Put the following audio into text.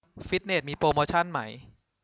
ฟิตเนสมีโปรโมชั่นไหม